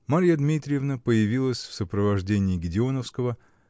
Марья Дмитриевна появилась в сопровождении Гедеоновского